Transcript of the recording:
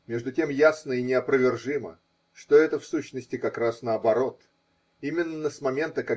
Между тем ясно и неопровержимо, что это в сущности как раз наоборот. Именно с момента.